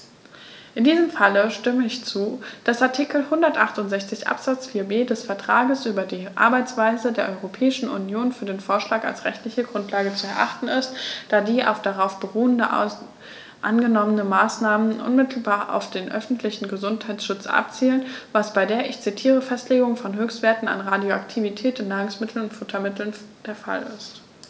In diesem Fall stimme ich zu, dass Artikel 168 Absatz 4b des Vertrags über die Arbeitsweise der Europäischen Union für den Vorschlag als rechtliche Grundlage zu erachten ist, da die auf darauf beruhenden angenommenen Maßnahmen unmittelbar auf den öffentlichen Gesundheitsschutz abzielen, was bei der - ich zitiere - "Festlegung von Höchstwerten an Radioaktivität in Nahrungsmitteln und Futtermitteln" der Fall ist.